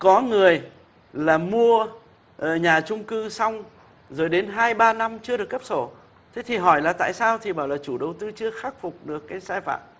có người là mua nhà chung cư xong rồi đến hai ba năm chưa được cấp sổ thế thì hỏi là tại sao thì bảo là chủ đầu tư chưa khắc phục được các sai phạm